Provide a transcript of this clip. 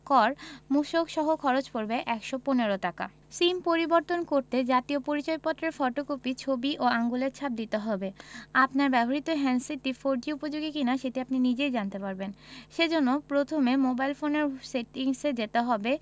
কর মূসক সহ খরচ পড়বে ১১৫ টাকা সিম পরিবর্তন করতে জাতীয় পরিচয়পত্রের ফটোকপি ছবি ও আঙুলের ছাপ দিতে হবে আপনার ব্যবহৃত হ্যান্ডসেটটি ফোরজি উপযোগী কিনা সেটি আপনি নিজেই জানতে পারবেন সেজন্য প্রথমে মোবাইল ফোনের সেটিংস এ যেতে হবে